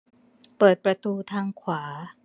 เปิดประตูทางขวา